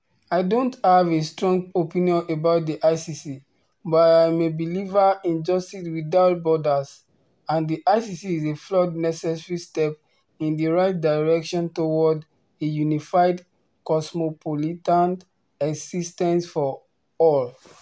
I don't have a strong opinion about the ICC, but I am a believer in justice without borders, and the ICC is a (flawed) necessary step in the right direction towards a unified, cosmopolitan existence for all.